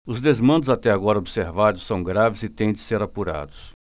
os desmandos até agora observados são graves e têm de ser apurados